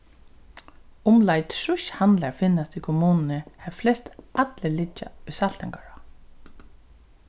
umleið trýss handlar finnast í kommununi har flest allir liggja í saltangará